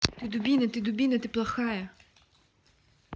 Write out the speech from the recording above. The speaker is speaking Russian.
ты дубина ты дубина ты плохая